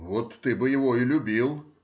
— Вот ты бы его и любил.